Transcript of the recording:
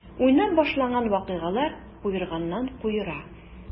Уйнап башланган вакыйгалар куерганнан-куера.